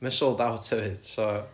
ma'n sold-out hefyd so